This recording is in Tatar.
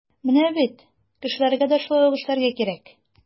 Менә бит кешеләргә дә шулай ук эшләргә кирәк.